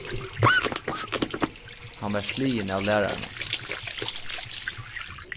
hann varð sligin av læraranum